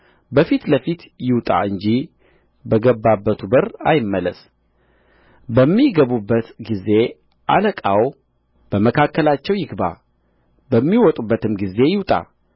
በፊት ለፊት ይውጣ እንጂ በገባበቱ በር አይመለስ በሚገቡበት ጊዜ አለቃው በመካከላቸው ይግባ በሚወጡበትም ጊዜ ይውጣ